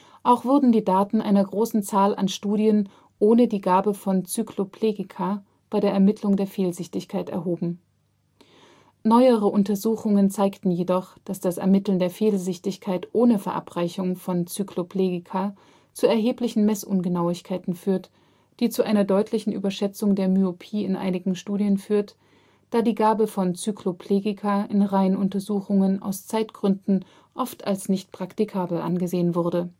Auch wurden die Daten einer großen Zahl an Studien ohne die Gabe von Cycloplegica bei der Ermittlung der Fehlsichtigkeit erhoben. Neuere Untersuchungen zeigten jedoch, dass das Ermitteln der Fehlsichtigkeit ohne Verabreichung von Cycloplegica zu erheblichen Messungenauigkeiten führt, die zu einer deutlichen Überschätzung der Myopie in einigen Studien führt, da die Gabe von Cycloplegica in Reihenuntersuchungen aus Zeitgründen oft als nicht praktikabel angesehen wurde